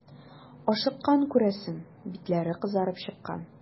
Ашыккан, күрәсең, битләре кызарып чыккан.